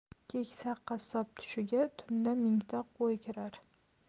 keksa qassob tushiga tunda mingta qo'y kirar